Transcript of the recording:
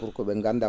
pour que ?e ngannda